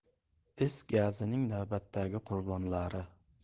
is gazining navbatdagi qurbonlari